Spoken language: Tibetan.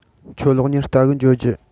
ཁྱོད གློག བརྙན བལྟ གི འགྱོ རྒྱུ